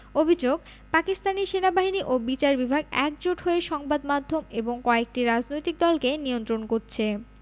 অভিযোগ পাকিস্তানি সেনাবাহিনী ও বিচার বিভাগ একজোট হয়ে সংবাদ মাধ্যম এবং কয়েকটি রাজনৈতিক দলকে নিয়ন্ত্রণ করছে